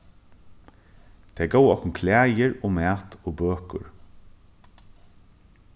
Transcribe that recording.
tey góvu okkum klæðir og mat og bøkur